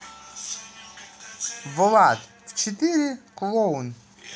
влад а четыре клоун